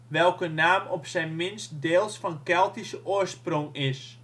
welke naam op zijn minst deels van Keltische oorsprong is